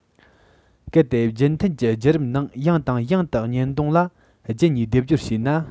གལ ཏེ རྒྱུན མཐུད ཀྱི རྒྱུད རབས ནང ཡང དང ཡང དུ གཉེན སྡོང ལ རྒྱུད གཉིས སྡེབ སྦྱོར བྱས ན